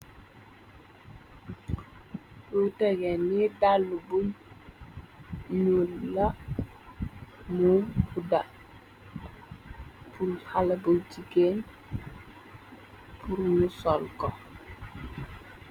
Lu tegen ni dàllu bu ñyluu la yu gudda bul xala bu jiggeen purumu sol ko.